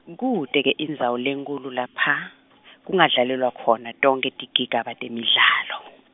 m- Kute-ke indzawo lenkhulu lapha , kungadlalelwa khona tonkhe tigigaba temdlalo.